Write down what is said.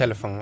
téléphone o